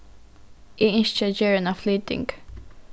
eg ynski at gera eina flyting